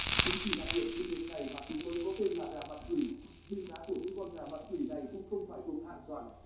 chính vì đặc điểm dị biệt này mà chúng mới có tên là gà mặt quỷ nhưng giá của những con gà mặt quỷ này cũng không phải thuộc hạng xoàn